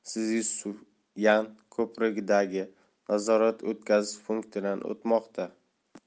ustidagi szyuszyan ko'prigidagi nazorat o'tkazish punktidan o'tmoqda